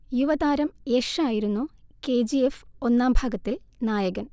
യുവതാരം യഷ് ആയിരുന്നു K G F ഒന്നാം ഭാഗത്തിൽ നായകന്‍